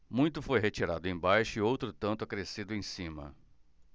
muito foi retirado embaixo e outro tanto acrescido em cima